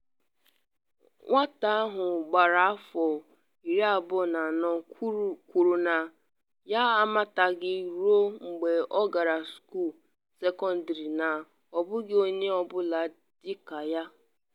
Nwata ahụ gbara afọ 24 kwuru na ya amataghị ruo mgbe ọ gara skuul sekọndịrị na “ọ bụghị onye ọ bụla dị ka ya.”